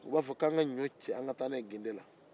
u b'a fɔ ko an ka ɲɔ cɛ an ka taa n'a ye gende la